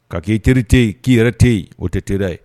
Ka k'i teri tɛ yen, k'i yɛrɛ tɛ yen, o tɛ teriya.